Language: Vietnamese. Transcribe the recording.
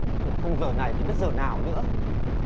không giờ này thì biết giờ nào nữa